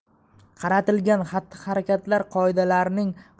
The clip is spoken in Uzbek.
qaratilgan xatti harakatlar qoidalarining